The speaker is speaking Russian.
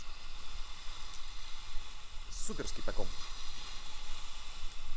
суперский по ком